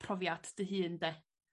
profiad dy hun 'de?